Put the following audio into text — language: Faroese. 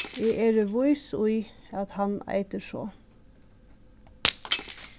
eg eri vís í at hann eitur so